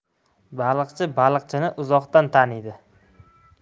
baliqchi baliqchini uzoqdan taniydi